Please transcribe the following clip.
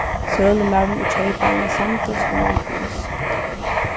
sølumaðurin og keyparin samdust um ein prís